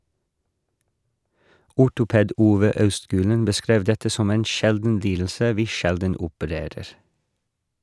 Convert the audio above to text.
Ortoped Ove Austgulen beskrev dette som en "sjelden lidelse vi sjelden opererer".